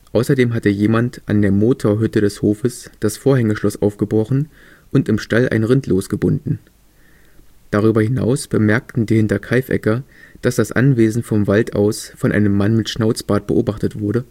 Außerdem hatte jemand an der Motorhütte des Hofes das Vorhängeschloss aufgebrochen und im Stall ein Rind losgebunden. Darüber hinaus bemerkten die Hinterkaifecker, dass das Anwesen vom Wald aus von einem Mann mit Schnauzbart beobachtet wurde